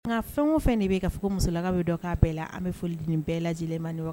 Nka fɛn o fɛn de bɛ'a fɔ ko musola bɛ dɔ k' bɛɛ la an bɛ foli nin bɛɛ lajɛlen man